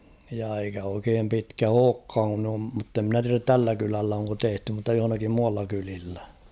ja eikä oikein pitkä olekaan kun on mutta minä tiedä tällä kylällä onko tehty mutta jossakin muualla kylillä